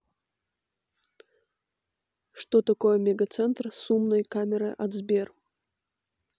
что такое мегацентр с умной камерой от сбер